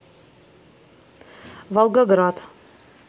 волгоград